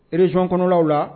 Ireson kɔnɔlaw la